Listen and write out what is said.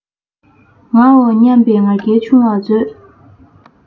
ངའོ སྙམ པའི ང རྒྱལ ཆུང བར མཛོད